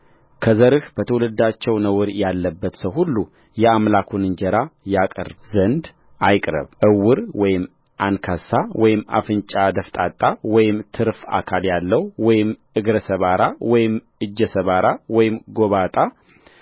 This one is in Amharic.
ከዘርህ በትውልዳቸው ነውር ያለበት ሰው ሁሉ የአምላኩን እንጀራ ያቀርብ ዘንድ አይቅረብዕውር ወይም አንካሳ ወይም አፍንጫ ደፍጣጣ ወይም ትርፍ አካል ያለውወይም እግረ ሰባራ ወይም እጀ ሰባራወይም ጐባጣ